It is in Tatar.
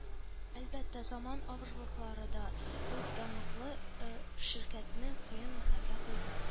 Әлбәттә, заман авырлыклары да бу данлыклы ширкәтне кыен хәлгә куйды.